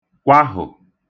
kwahụ̀